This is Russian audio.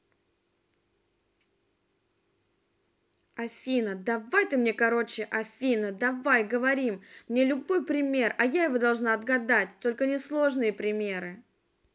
афина давай ты мне короче афина давай говорим мне любой пример а я его должна отгадать только несложные примеры